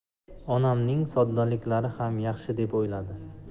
onamning soddaliklari xam yaxshi deb uyladi